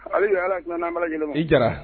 Hali bi Ala ka hakili ɲuman di an bɛɛ lajɛlɛma. I jara.